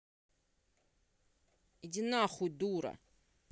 иди нахуй дура